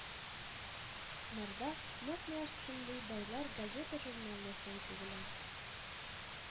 Нарда нәкъ менә шушындый байлар газета-журнал нәшер итү белән